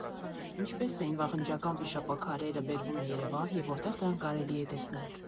Ինչպես էին վաղնջական վիշապաքարերը բերվում Երևան և որտեղ դրանք կարելի է տեսնել։